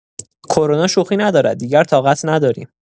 کرونا شوخی ندارد، دیگر طاقت نداریم.